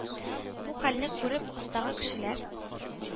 Бу хәлне күреп астагы кешеләр